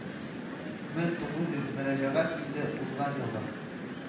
Мең тугыз йөз мөрәҗәгать килде, узган елның